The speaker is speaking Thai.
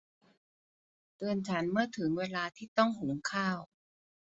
เตือนฉันเมื่อถึงเวลาที่ต้องหุงข้าว